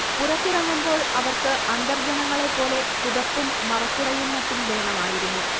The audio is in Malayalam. പുറത്തിറങ്ങുമ്പോൾ അവർക്ക് അന്തർജനങ്ങളെപ്പോലെ പുതപ്പും മറക്കുടയും മറ്റും വേണമായിരുന്നു